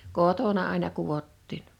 kotona aina kudottiin